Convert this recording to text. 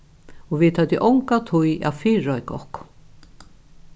og vit høvdu onga tíð at fyrireika okkum